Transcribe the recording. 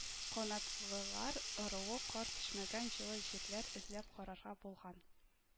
Канатлылар ыруы кар төшмәгән җылы җирләр эзләп карарга булган